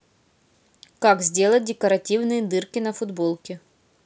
как сделать декоративные дырки на футболке